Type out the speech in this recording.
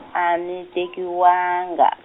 a ni tekiwanga.